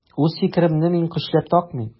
Үз фикеремне көчләп такмыйм.